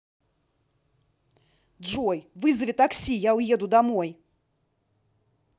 джой вызови такси я уеду домой